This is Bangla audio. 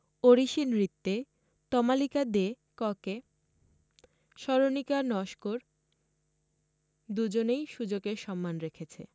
ওড়িশি নৃত্যে তমালিকা দে ককে স্মরণিকা নস্কর দুজনেই সু্যোগের সম্মান রেখেছে